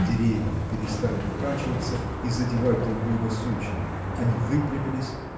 Деревья перестали покачиваться и задевать друг друга сучьями они выпрямились